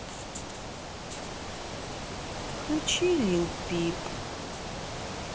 включи лил пип